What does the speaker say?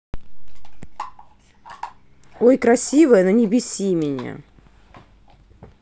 ой красивая но не беси меня